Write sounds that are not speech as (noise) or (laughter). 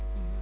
(hesitation) (hesitation)